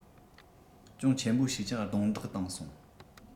ཅུང ཆེན པོ ཞིག ཀྱང རྡུང རྡེག གཏང སོང